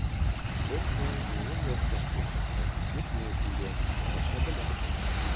Боцман минем якташ булып чыкты: Удмуртиядән – татарча белә.